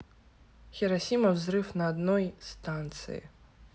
хиросима взрыв на одной станции